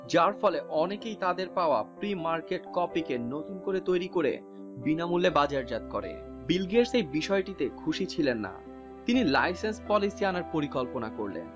যার ফলে অনেকেই তাদের পাওয়া প্রি মার্কেট কপি কে নতুন করে তৈরি করে বিনামূল্যে বাজারজাত করে বিল গেটস এই বিষয়টিতে খুশি ছিলেন না তিনি লাইসেন্স পলিসি আনার পরিকল্পনা করলেন